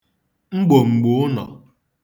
mgbòm̀gbò ụnọ̀